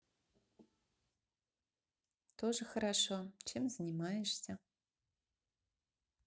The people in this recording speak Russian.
тоже хорошо чем занимаешься